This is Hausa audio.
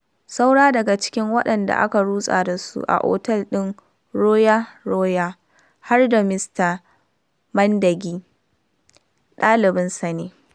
Saura daga cikin waɗanda aka rutsa da su a otel ɗin Roa Roa, har da Mista Mandagi, ɗalibansa ne.